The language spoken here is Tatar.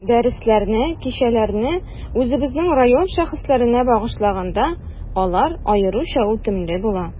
Дәресләрне, кичәләрне үзебезнең район шәхесләренә багышлаганда, алар аеруча үтемле була.